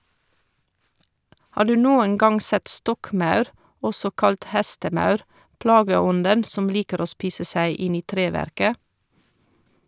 Har du noen gang sett stokkmaur, også kalt hestemaur, plageånden som liker å spise seg inn i treverket?